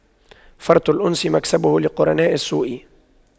فرط الأنس مكسبة لقرناء السوء